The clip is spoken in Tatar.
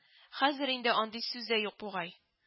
Хәзер инде андый сүз дә юк бугай